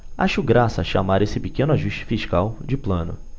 acho graça chamar esse pequeno ajuste fiscal de plano